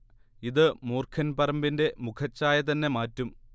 ഇത് മൂർഖൻ പറമ്പിന്റെ മുഖച്ഛായ തന്നെ മാറ്റും